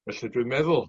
Felly dwi'n meddwl